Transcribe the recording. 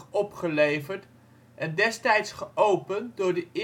opgeleverd en destijds geopend door de